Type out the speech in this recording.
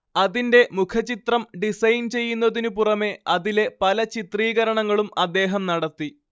അതിന്റെ മുഖചിത്രം ഡിസൈൻ ചെയ്യുന്നതിനു പുറമേ അതിലെ പല ചിത്രീകരണങ്ങളും അദ്ദേഹം നടത്തി